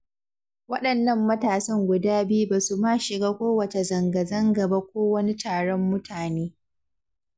Waɗannan matasan guda biyu ba su ma shiga kowace zangazanga ba ko wani taron mutane.